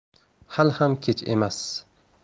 hali ham kech emas